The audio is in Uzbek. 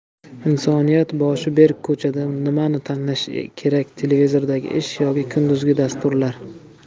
insoniyat boshi berk ko'chada nimani tanlash kerak televizordagi ish yoki kunduzgi dasturlar